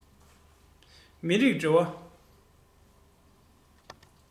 མི རིགས འབྲེལ བ